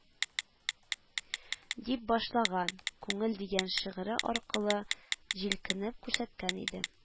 Дип башлаган «күңел» дигән шигыре аркылы җилкенеп күрсәткән иде